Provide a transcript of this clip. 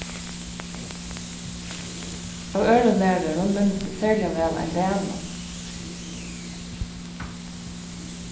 av øðrum lærarum minnist eg serliga væl ein dana